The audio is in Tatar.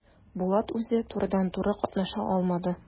Булат үзе турыдан-туры катнаша алмады.